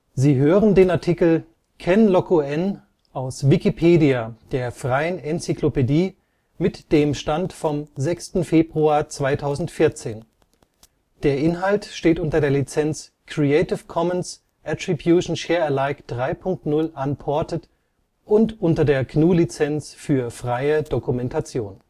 Sie hören den Artikel Kenroku-en, aus Wikipedia, der freien Enzyklopädie. Mit dem Stand vom Der Inhalt steht unter der Lizenz Creative Commons Attribution Share Alike 3 Punkt 0 Unported und unter der GNU Lizenz für freie Dokumentation